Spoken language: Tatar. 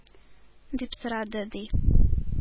— дип сорады, ди.